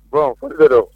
Bon foyi tɛ rɔ